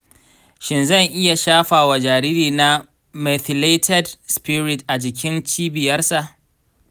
shin zan iya shafa wa jaririna methylated spirit a jikin cibiyarsa?